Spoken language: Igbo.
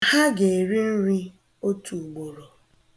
Ha ga-eri nri otuugboro.